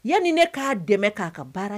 Yanni ne k'a dɛmɛ k'a ka baara